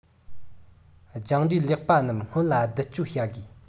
སྦྱངས འབྲས ལེགས པ རྣམས སྔོན ལ བསྡུ སྤྱོད བྱ དགོས